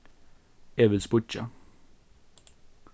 eg vil spýggja